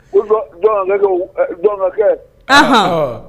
Ukɛ jɔnkɛ